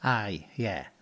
Aye, yeah